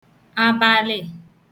abaàlị